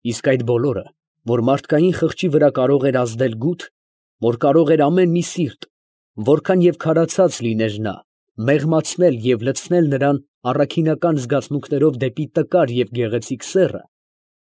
Իսկ այդ բոլորը, որ մարդկային խղճի վրա կարող էր ազդել գութ, որ կարող էր ամեն մի սիրտ, որքան և քարացած լիներ նա, մեղմացնել և լցնել նրան առաքինական զգացմունքներով դեպի տկար և գեղեցիկ սեռը, ֊